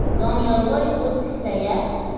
doniyorboy ko'z tiksaya